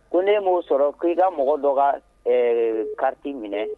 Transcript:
Ko ne m' sɔrɔ ko' ii ka mɔgɔ dɔ ka ɛɛ kati minɛ